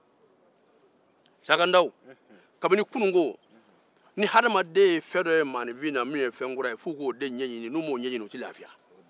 saka ndao kabini kunungo ni hamaden ye fɛn do ye maaninfin n'u m'o jɛ ɲini u te lafiya